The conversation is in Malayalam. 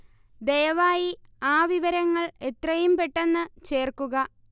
ദയവായി ആ വിവരങ്ങൾ എത്രയും പെട്ടെന്ന് ചേർക്കുക